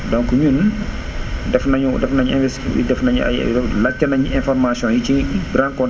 donc ñun def nañu def nañ invest def nañu ay ay laajte nañu informations yi ci rencontre